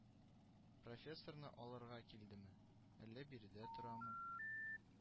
Профессорны алырга килдеме, әллә биредә торамы